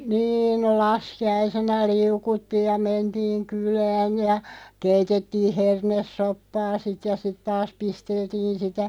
niin no laskiaisena liu'uttiin ja mentiin kylään ja keitettiin hernesoppaa sitten ja sitten taas pisteltiin sitä